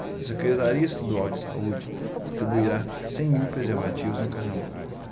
a secretaria estadual de saúde distribuirá cem mil preservativos no carnaval